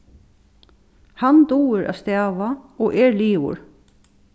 hann dugir at stava og er liðugur